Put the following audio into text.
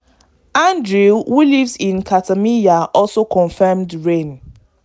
Andrew who lives in Katameyya also confirmed rain!